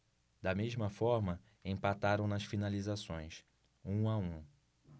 da mesma forma empataram nas finalizações um a um